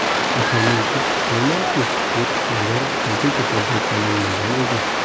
axir men ko'p ichmayman ku yo'q davron ruhiy kasalga chalinmagan edi